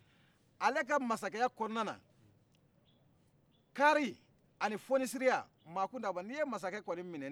kaari ani fonisireya maa tun t'a bɔ nin ye masakɛ kɔni minɛlen ye bɛ